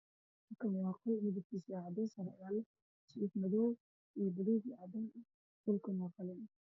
Kani waa qol midabkiisa yahay cadays ama jaalle jiif madow iyo baluug iyo cadaan ah dhulkana waa qalin